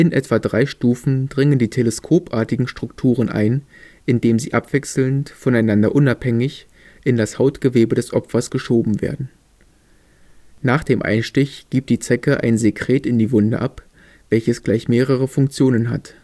etwa drei Stufen dringen die teleskopartigen Strukturen ein, indem sie abwechselnd, voneinander unabhängig, in das Hautgewebe des Opfers geschoben werden. Nach dem Einstich gibt die Zecke ein Sekret in die Wunde ab, welches gleich mehrere Funktionen hat